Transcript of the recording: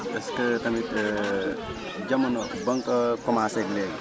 est ce que tamit jamono ba nga ko commencé ak léegi